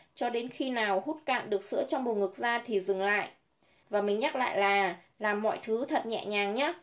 cho đến khi nào hút cạn được sữa trong bầu ngực ra thì dừng lại và mình nhắc lại là làm mọi thứ thật nhẹ nhàng nhé